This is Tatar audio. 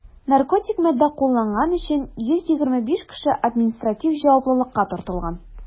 Наркотик матдә кулланган өчен 125 кеше административ җаваплылыкка тартылган.